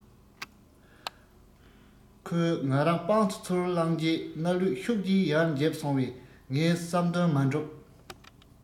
ཁོས ང རང པང དུ ཚུར བླངས རྗེས སྣ ལུད ཤུགས ཀྱིས ཡར འཇིབས སོང བས ངའི བསམ དོན མ གྲུབ